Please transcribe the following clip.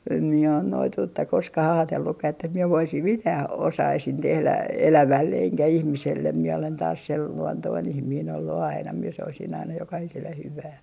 en minä ole noituutta koskaan ajatellutkaan että minä voisin mitään osaisin tehdä elävälle enkä ihmiselle minä olen taas sen luontoinen ihminen ollut aina minä soisin aina jokaiselle hyvää